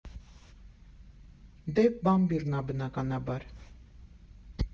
Դե Բամբիռն ա բնականաբար։